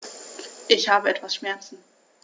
Ich habe etwas Schmerzen.